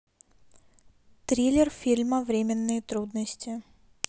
триллер фильма временные трудности